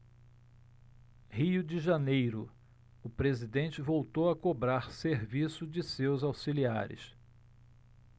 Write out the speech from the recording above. rio de janeiro o presidente voltou a cobrar serviço de seus auxiliares